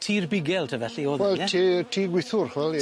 Tŷ'r bugel te felly o'dd yn ie? yy tŷ gwithwr ch'wel ie.